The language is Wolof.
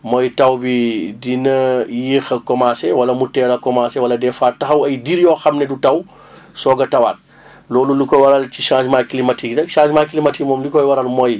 mooy taw bi dina yéex a commencé wala mu teel a commencé wala des fois taxaw ay diir yoo xam ne du taw soog a tawaat loolu lu ko waral ci changement climatique yi la changement climatique moom li ko waral mooy